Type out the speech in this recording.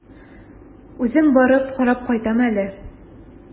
Үзем барып карап кайтам әле.